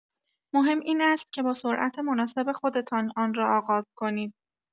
مهم این است که با سرعت مناسب خودتان آن را آغاز کنید.